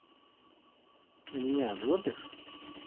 меня любишь